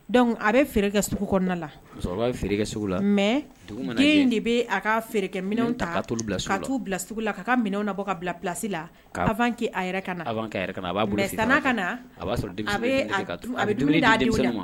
Dɔnku a bɛ kɛ sugu kɔnɔna la mɛ den de bɛ a kakɛ minɛnw ta ka bila la ka minɛn na bɔ ka bilalasi la kɛ a ka